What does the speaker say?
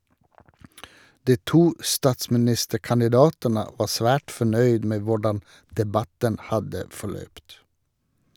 De to statsministerkandidatene var svært fornøyd med hvordan debatten hadde forløpt.